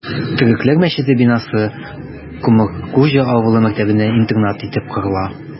Төрекләр мәчете бинасы Комыргуҗа авылы мәктәбенә интернат итеп корыла...